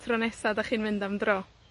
Tro nesa 'dach chi'n mynd am dro.